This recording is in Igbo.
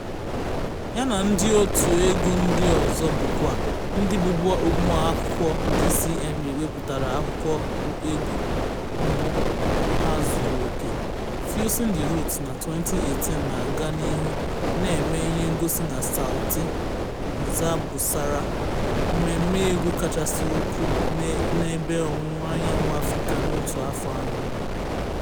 Ya na ndị otu egwu ndị ọzọ, bụkwa ndị bụbu ụmụakwụkwọ DCMA, wepụtara akwụkwọ egwu mbụ ha zuru oke, "Fusing the Roots" na 2018, na-aga n'ihu na-eme ihe ngosi na Sauti za Busara, mmemme egwu kachasị ukwuu n'Ebe Ọwụwa Anyanwụ Afịrịka, n'otu afọ ahụ.